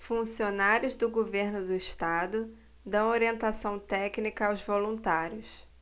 funcionários do governo do estado dão orientação técnica aos voluntários